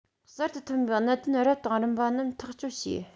གསར དུ ཐོན པའི གནད དོན རབ དང རིམ པ རྣམས ཐག གཅོད བྱེད